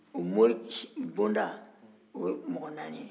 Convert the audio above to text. o mori si bɔnda o ye mɔgɔ naani ye